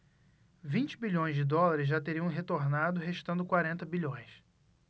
vinte bilhões de dólares já teriam retornado restando quarenta bilhões